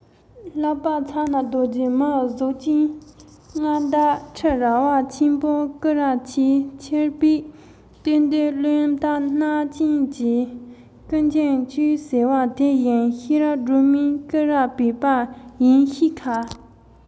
ལྷག པར ཕྱག ན རྡོ རྗེ མིའི གཟུགས ཅན མངའ བདག ཁྲི རལ ཆེན པོ སྐུ ར ཆེས ཆེར བད བསྟུན བདུད བློན སྟག སྣ ཅན གྱིས སྐུ མཇིང གཅུས ཟེར བ དེ བཞིན ཤེས རབ སྒྲོལ མས སྐུ ར བད པ ཡིན ཤས ཁ